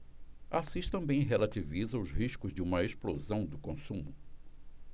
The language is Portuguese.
assis também relativiza os riscos de uma explosão do consumo